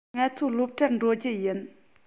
ང ཚོ སློབ གྲྭར འགྲོ རྒྱུ ཡིན